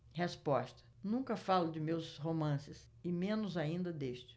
resposta nunca falo de meus romances e menos ainda deste